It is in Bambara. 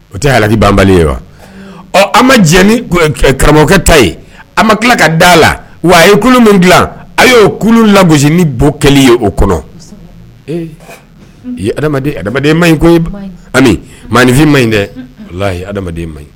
O tɛ hakiliki banban ye wa ɔ an ma diɲɛ karamɔgɔkɛ ta ye a ma tila ka da la wa a ye kulu min dila a y'o kulu labonsi ni bɔ kɛli ye o kɔnɔ eeden adamaden ma ɲi koyi mainfin ma ɲi dɛ ye adamaden man ɲi